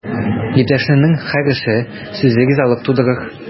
Иптәшеңнең һәр эше, сүзе ризалык тудырыр.